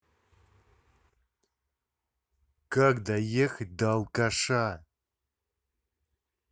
как доехать до алкаша